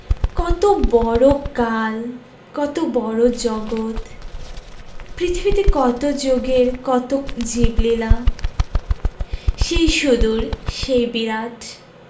কত বড় কাল কত বড় জগত পৃথিবীতে কত জুগের কত জীবলীলা সেই সুদূর সেই বিরাট